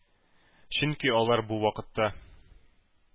Чөнки алар бу вакытта